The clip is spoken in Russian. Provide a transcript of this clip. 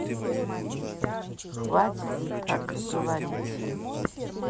хватит так говорить